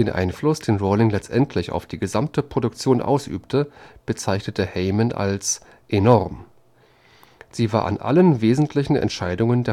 Einfluss, den Rowling letztlich auf die gesamte Produktion ausübte, bezeichnete Heyman als “tremendous” (deutsch: „ enorm “). Sie war an allen wesentlichen Entscheidungen